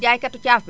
jaaykatu caaf bi